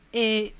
Ee